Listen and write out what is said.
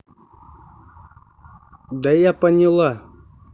да я поняла